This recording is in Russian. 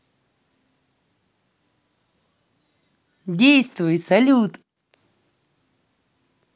действуй салют